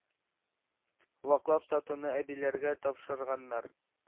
Ваклап сатуны әбиләргә тапшырганнар.